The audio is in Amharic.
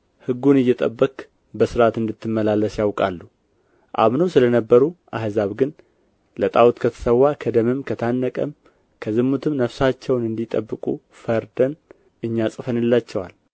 ሕጉን እየጠበቅህ በሥርዓት እንድትመላለስ ያውቃሉ አምነው ስለ ነበሩ አሕዛብ ግን ለጣዖት ከተሠዋ ከደምም ከታነቀም ከዝሙትም ነፍሳቸውን እንዲጠብቁ ፈርደን እኛ ጽፈንላቸዋል